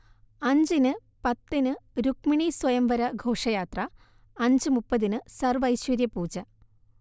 അഞ്ചിന് പത്തിന് രുക്മിണീസ്വയംവര ഘോഷയാത്ര അഞ്ചു മുപ്പതിന് സർവൈശ്വര്യപൂജ